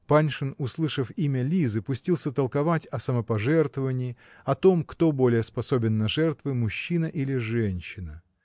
Паншин, услышав имя Лизы, пустился толковать о самопожертвовании, о том, кто более способен на жертвы -- мужчина или женщина.